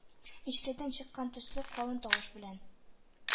Мичкәдән чыккан төсле калын тавыш белән: